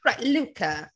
Right, Luca...